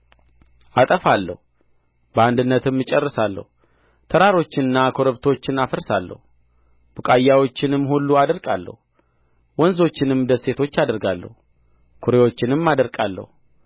አጠፋለሁ በአንድነትም እጨርሳለሁ ተራሮችንና ኮረብቶችን አፈርሳለሁ ቡቃያዎቻቸውንም ሁሉ አደርቃለሁ ወንዞችንም ደሴቶች አደርጋለሁ ኵሬዎችንም አደርቃለሁ